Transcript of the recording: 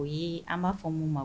O ye an b'a fɔ mun ma